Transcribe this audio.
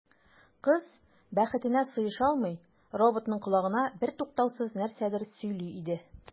Кыз, бәхетенә сыеша алмый, роботның колагына бертуктаусыз нәрсәдер сөйли иде.